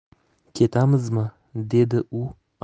ketamizmi dedi u